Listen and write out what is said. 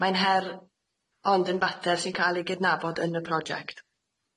Mae'n her, ond yn fater sy'n ca'l ei gydnabod yn y project.